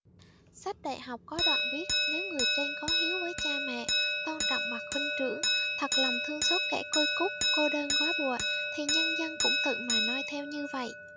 sách đại học có đoạn viết nếu người trên có hiếu với cha mẹ tôn trọng bậc huynh trưởng thật lòng thương xót kẻ côi cút cô đơn góa bụa thì nhân dân cũng tự mà noi theo như vậy